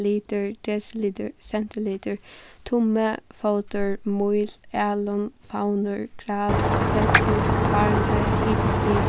litur desilitur sentilitur tummi fótur míl alin favnur grad celsius fahrenheit hitastig